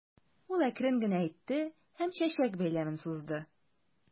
Ул әкрен генә әйтте һәм чәчәк бәйләмен сузды.